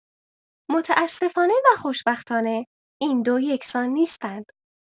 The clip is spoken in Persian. متاسفانه و خوشبختانه، این دو یکسان نیستند.